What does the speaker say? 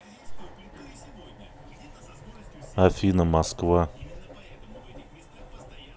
афина москва